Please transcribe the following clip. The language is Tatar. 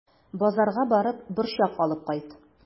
Базарга барып, борчак алып кайт.